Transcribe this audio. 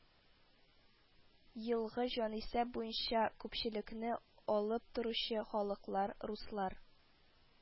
Елгы җанисәп буенча күпчелекне алып торучы халыклар: руслар